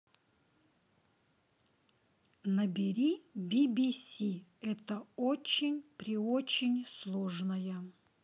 набери bbc это очень при очень сложная